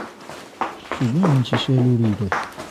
Ṣùgbọ́n a ń ṣiṣẹ́ lórí rẹ̀.